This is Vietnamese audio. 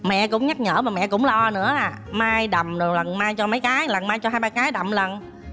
mẹ cũng nhắc nhở và mẹ cũng lo nữa à may đầm rồi may cho mấy cái lần may cho hai ba cái đầm lận lần